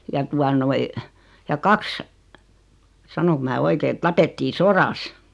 ja tuota noin ja kaksi sanonko minä oikein että tapettiin sodassa